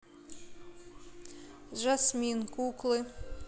жасмин куклы